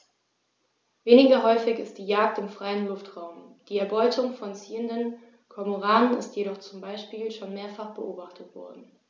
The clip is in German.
Weniger häufig ist die Jagd im freien Luftraum; die Erbeutung von ziehenden Kormoranen ist jedoch zum Beispiel schon mehrfach beobachtet worden.